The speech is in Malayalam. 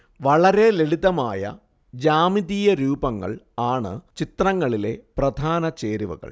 വളരെ ലളിതമായ ജ്യാമിതീയരൂപങ്ങൾ ആണ് ചിത്രങ്ങളിലെ പ്രധാനചേരുവകൾ